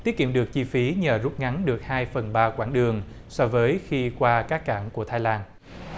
tiết kiệm được chi phí nhờ rút ngắn được hai phần ba quãng đường so với khi qua các cảng của thái lan